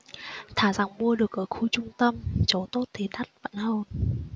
thà rằng mua được ở khu trung tâm chỗ tốt thì đắt vẫn hơn